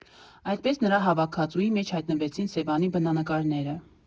Այդպես նրա հավաքածուի մեջ հայտնվեցին Սևանի բնանկարները։